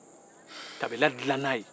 ka bila dila n'a ye